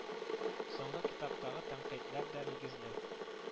Соңгы китаптагы тәнкыйтьләр дә нигезле